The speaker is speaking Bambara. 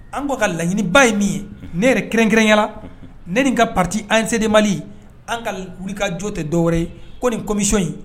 An bɔ ka laɲiniba ye min ye ne yɛrɛ kɛrɛnkɛrɛnyala ne nin ka pati an sedenma an ka wulika jo tɛ dɔwɛrɛ ye ko nin komisɔn in